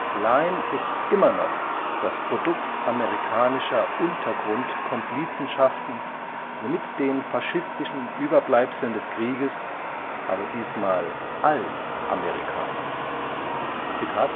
Lime ist immer noch das Produkt amerikanischer Untergrund-Komplizenschaften mit den faschistischen Überbleibseln des Krieges, aber diesmal als Amerikaner. “Für